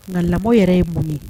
Nka lamɔ yɛrɛ ye mun ye?